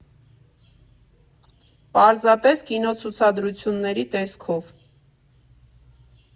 Պարզապես՝ կինոցուցադրությունների տեսքով։